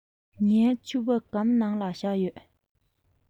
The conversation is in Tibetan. ངའི ཕྱུ པ སྒམ ནང ལ བཞག ཡོད